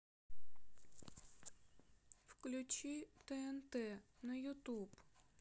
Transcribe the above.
включи тнт на ютуб